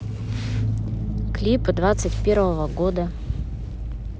клипы двадцать первого года